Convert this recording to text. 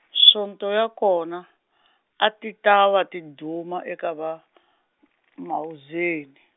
Sonto ya kona, a ti ta va tiduma eka va , Mauzeni.